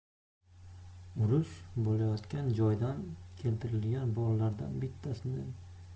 urush bo'layotgan joydan keltirilgan bolalardan bittasini